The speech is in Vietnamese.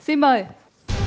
xin mời